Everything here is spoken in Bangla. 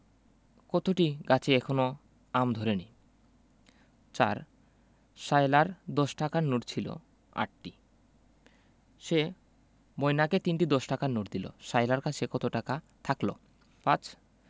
কতটি গাছে এখনও আম ধরেনি ৪ সায়লার দশ টাকার নোট ছিল ৮টি সে ময়নাকে ৩টি দশ টাকার নোট দিল সায়লার কত টাকা থাকল ৫